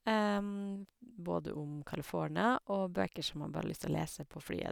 Både om California, og bøker som jeg bare har lyst å lese på flyet.